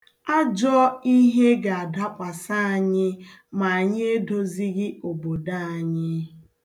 Ajọ ihe ga-adakwasa anyị ma anyị edozighị obodo anyị.